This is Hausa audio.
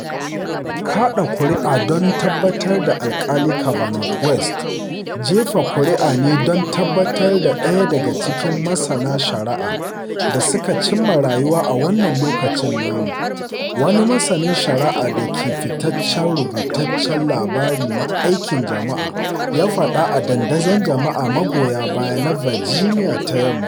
“Kaɗa ƙuri’a don tabbatar da Alkali Kavanaugh West jefa ƙuri’a ne don tabbatar da ɗaya daga cikin masana shari’a da suka cimma rayuwa a wannan loƙacin namu, wani masanin shari’a da ke da fitaccen rubutaccen labari na aikin jama’a,” ya faɗa a dandazon jama’a magoya baya na Virginia ta Yamma.